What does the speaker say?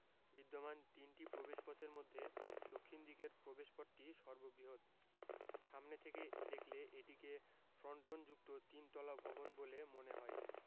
বিদ্যমান তিনটি প্রবেশপথের মধ্যে দক্ষিণ দিকের প্রবেশপথটি সর্ববৃহৎ সামনে থেকে দেখলে এটিকে ফ্রন্টনযুক্ত তিন তলা ভবন বলে মনে হয়